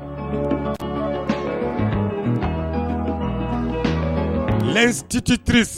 Ji tɛtiriri